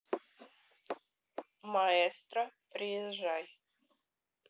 маэстро приезжай